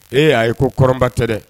Ee ayi ko kɔrɔnba tɛ dɛ